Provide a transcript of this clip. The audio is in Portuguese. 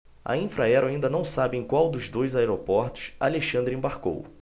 a infraero ainda não sabe em qual dos dois aeroportos alexandre embarcou